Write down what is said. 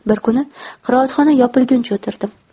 bir kuni qiroatxona yopilguncha o'tirdim